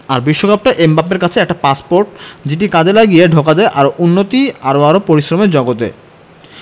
আর বিশ্বকাপটা এমবাপ্পের কাছে একটা পাসপোর্ট যেটি কাজে লাগিয়ে ঢোকা যায় আরও উন্নতি আর আরও পরিশ্রমের জগতে